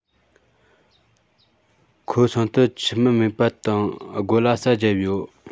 ཁོ ཚང དུ ཁྱིམ མི མེད པ དང སྒོ ལ ཟྭ རྒྱབ ཡོད